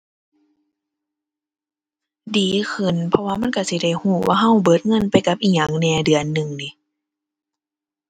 ดีขึ้น เพราะว่ามันก็สิได้ก็ว่าก็เบิดเงินไปกับอิหยังแหน่ เดือนหนึ่งนี้